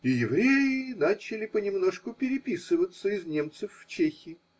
И. евреи начали понемножку переписываться из немцев в чехи.